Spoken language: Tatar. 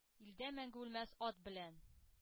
Илдә мәңге үлмәс ат белән